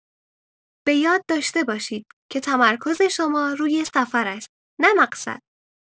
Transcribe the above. بۀاد داشته باشید که تمرکز شما روی سفر است، نه مقصد!